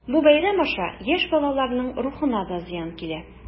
Бу бәйрәм аша яшь балаларның рухына да зыян килә.